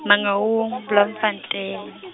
Mangaung, Bloemfontein.